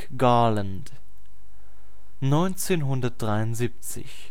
Garland 1973